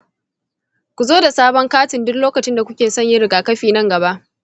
ku zo da sabon katin duk lokacin da kuke son yin rigakafi nan gaba.